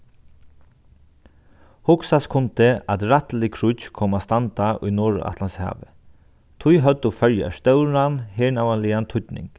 hugsast kundi at rættilig kríggj kom at standa í norðuratlantshavi tí høvdu føroyar stóran hernaðarligan týdning